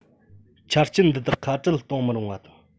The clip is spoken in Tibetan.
ཆ རྐྱེན འདི དག ཁ བྲལ གཏོང མི རུང བ དང